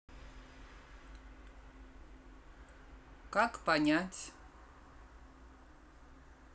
как понять